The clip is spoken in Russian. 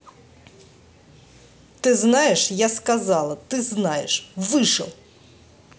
ты знаешь я сказала ты знаешь вышел